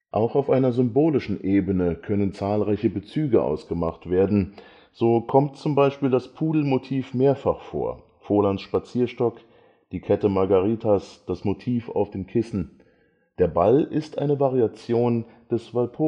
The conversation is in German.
Auch auf einer symbolischen Ebene können zahlreiche Bezüge ausgemacht werden, so kommt z.B. das Pudelmotiv mehrfach vor (Volands Spazierstock, Kette Margaritas, Motiv auf Kissen). Der Ball ist eine Variation des Walpurgisnachtthemas